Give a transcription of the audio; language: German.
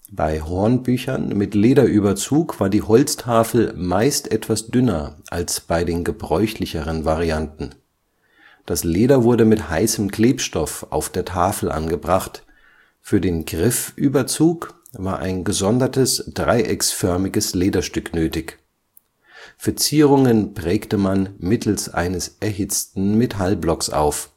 Bei Hornbüchern mit Lederüberzug war die Holztafel meist etwas dünner als bei den gebräuchlicheren Varianten. Das Leder wurde mit heißem Klebstoff auf der Tafel angebracht; für den Griffüberzug war ein gesondertes dreiecksförmiges Lederstück nötig. Verzierungen prägte man mittels eines erhitzten Metallblocks auf